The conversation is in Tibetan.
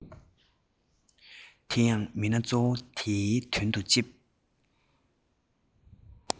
དེ ཡང མི སྣ གཙོ བོ དེའི དོན དུ ལྕེབས